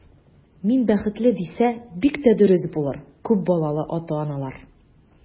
Мин бәхетле, дисә, бик тә дөрес булыр, күп балалы ата-аналар.